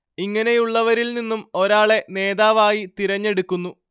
ഇങ്ങനെയുള്ളവരിൽ നിന്നും ഒരാളെ നേതാവായി തിരഞ്ഞെടുക്കുന്നു